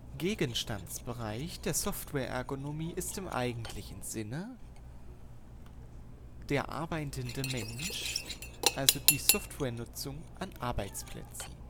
Gegenstandsbereich der Software-Ergonomie im eigentlichen Sinne ist der arbeitende Mensch (Softwarenutzung an Arbeitsplätzen